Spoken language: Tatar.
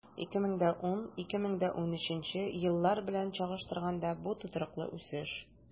2010-2013 еллар белән чагыштырганда, бу тотрыклы үсеш.